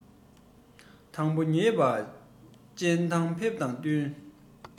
དང པོ ཉེས པ བཅའ ཡང ཕེབས དང བསྟུན